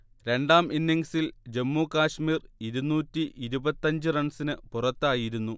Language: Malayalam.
രണ്ടാം ഇന്നിങ്സിൽ ജമ്മു കശ്മീർ ഇരുനൂറ്റി ഇരുപത്തഞ്ച് റൺസിന് പുറത്തായിരുന്നു